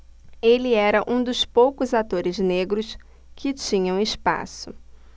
ele era um dos poucos atores negros que tinham espaço